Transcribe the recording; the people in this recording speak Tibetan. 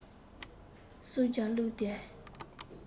བསྲུབས ཇ བླུགས ཏེ